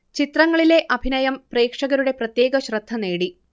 ചിത്രങ്ങളിലെ അഭിനയം പ്രേക്ഷകരുടെ പ്രത്യേക ശ്രദ്ധ നേടി